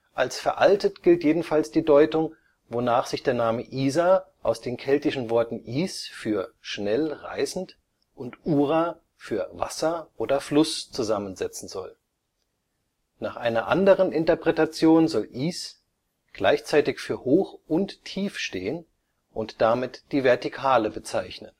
Als veraltet gilt jedenfalls die Deutung, wonach sich der Name Isar aus den keltischen Worten ys (schnell, reißend) und ura (Wasser, Fluss) zusammensetzen soll. Nach einer anderen Interpretation soll ys gleichzeitig für hoch und tief stehen und damit die Vertikale bezeichnen